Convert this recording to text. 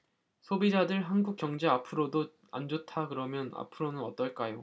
소비자들 한국 경제 앞으로도 안 좋다그러면 앞으로는 어떨까요